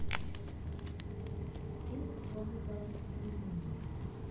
фильмы с робертом де ниро